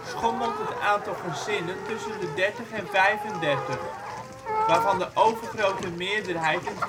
schommelt het aantal gezinnen tussen de 30 en 35, waarvan de overgrote meerderheid in